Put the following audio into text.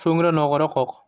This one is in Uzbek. so'ngra nog'ora qoq